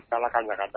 Ala ka ɲaga da